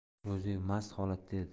ro'ziyev mast holatda edi